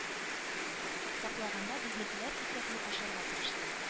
Саклаганда, безнекеләр исәпне ачарга тырышты